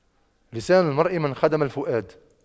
لسان المرء من خدم الفؤاد